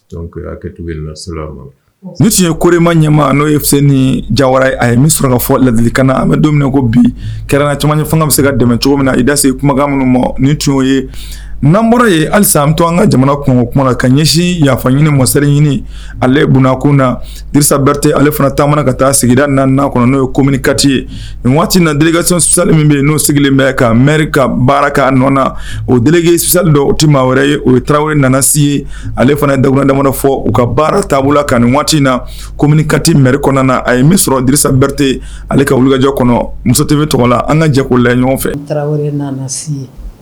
Ni tun ye koɔrima ɲɛma n'o ye fisa ni jawa a ye min surkafɔ ladi kana an bɛ dumuni ko bi kɛra na caman fanga bɛ se ka dɛmɛ cogo min na i dase kumakan minnu ma ni tiɲɛ oo ye n'anɔrɔ yen halisa bɛ to an ka jamana kungo kuma na ka ɲɛsin yafa ɲini mosɛri ɲini ale bkun na sa berete ale fana ta ka taa sigi na kɔnɔ n'o ye com kati ye nin waati nadikacsisali min bɛ n'o sigilen bɛ ka m ka baara kan nɔ na o deligesisali dɔ o te maa wɛrɛ ye o ye tarawele nanasi ye ale fana da dama fɔ u ka baara taabolo la ka nin waati in na kom kati m kɔnɔna na a ye misi sɔrɔ sa berete ale ka wulijɛ kɔnɔ musoti bɛ tɔgɔ la an ka jɛ kko la ɲɔgɔn fɛ tarawele si